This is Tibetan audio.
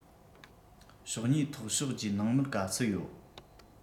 ཕྱོགས གཉིས ཐོག ཕྱོགས ཀྱིས ནང མོལ ག ཚོད ཡོད